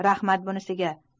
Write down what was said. rahmat bunisiga